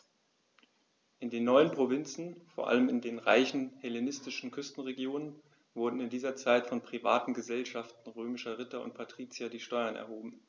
In den neuen Provinzen, vor allem in den reichen hellenistischen Küstenregionen, wurden in dieser Zeit von privaten „Gesellschaften“ römischer Ritter und Patrizier die Steuern erhoben.